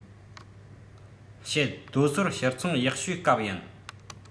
བཤད རྡོ སོལ ཕྱིར ཚོང ཡག ཤོས སྐབས ཡིན